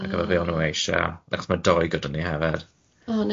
ar gyfer be o'n nw eisha, achos ma' dou gyda ni hefyd.